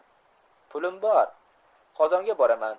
pulim bor qozonga boraman